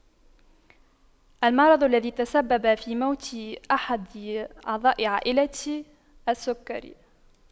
المرض الذي تسبب في موت أحد هي اعضاء عائلتي السكري